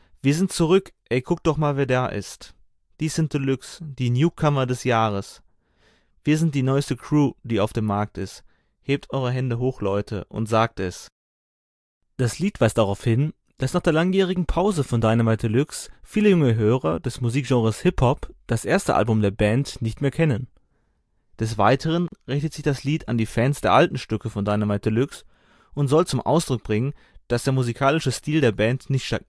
Wir sind zurück, ey guckt doch mal wer da ist. Dies sind Deluxe, die Newcomer des Jahres. Wir sind die neuste Crew, die auf dem Markt ist. Hebt eure Hände hoch, Leute und sagt es. “Das Lied weist darauf hin, dass nach der langjährigen Pause von Dynamite Deluxe viele junge Hörer des Musikgenres Hip-Hop das erste Album der Band nicht mehr kennen. Des Weiteren richtet sich das Lied an die Fans der alten Stücke von Dynamite Deluxe und soll zum Ausdruck bringen, dass der musikalische Stil der Band nicht